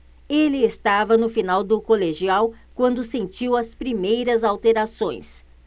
ele estava no final do colegial quando sentiu as primeiras alterações